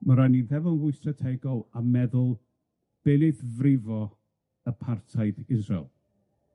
Ma' rai' i ni feddwl fwy strategol a meddwl, be wneith frifo apartheid Israel?